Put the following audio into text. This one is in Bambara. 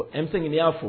An bɛ y'a fo